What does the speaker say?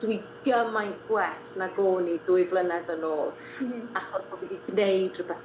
dwi gymaint gwell nag o'n i dwy flynedd yn ôl. M-hm. Achos bo' fi 'di gneud rhwbeth